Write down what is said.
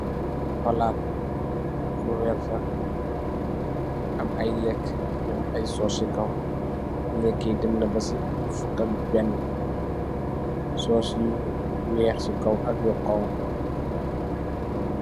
Palaat bu verta, am ay lekk yu am ay sos ci kaw. Lekk yi demna na ci fuku ak benn, sos yu weeh ci kaw ak yu honku.